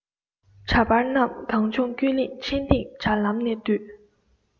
འདྲ པར རྣམས གངས ལྗོངས ཀུན གླེང འཕྲིན སྟེགས དྲ ལམ ནས བཏུས